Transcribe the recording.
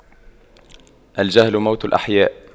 الجهل موت الأحياء